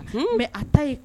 H bɛ a ta ye